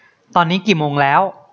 ตอนนี้กี่โมงแล้ว